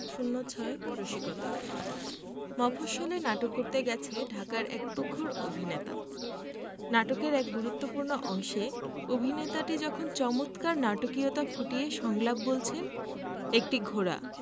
০৬ রসিকতা মফশ্বলে নাটক করতে গেছে ঢাকার এক তুখোর অভিনেতা নাটকের এক গুরুত্তপূ্র্ণ অংশে অভিনেতাটি যখন চমৎকার নাটকীয়তা ফুটিয়ে সংলাপ বলছেন একটি ঘোড়া